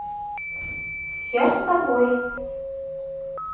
я с тобой